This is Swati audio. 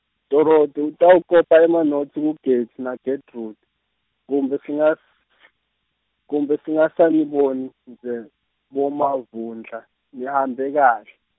Dorothi utawukopa emanotsi kuGetty naGetrude, kumbe singas- , kumbe singasaniboni nje boMavundla, nihambe kahle .